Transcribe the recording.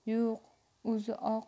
yo'q o'zi oq